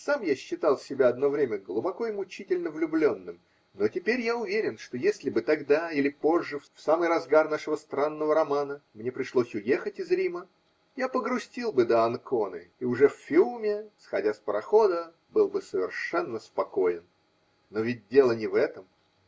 сам я считал себя одно время глубоко и мучительно влюбленным, но теперь я уверен, что если бы тогда или позже, в самый разгар нашего странного романа, мне пришлось уехать из Рима, я погрустил бы до Анконы и уже в Фиуме , сходя с парохода, был бы совершенно спокоен. Но ведь дело не в этом.